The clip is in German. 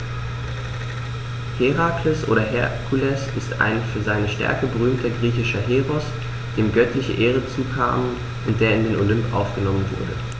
Herakles oder Herkules ist ein für seine Stärke berühmter griechischer Heros, dem göttliche Ehren zukamen und der in den Olymp aufgenommen wurde.